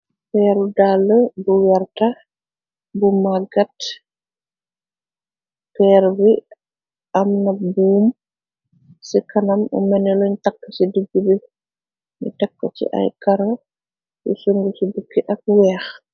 Peeru dall bu werta bu maggat peer wi am na buum ci kanam u mene loñ takk ci dijg bi ni takk ci ay kara yu sungu ci bukki ak weex.